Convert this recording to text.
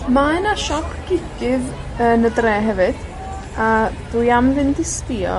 Mae 'na siop gidydd yn y dre hefyd, a dwi am fynd i sbïo